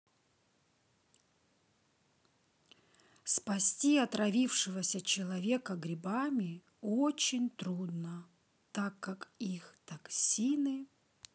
спасти отравившегося человека грибами очень трудно так как их таксины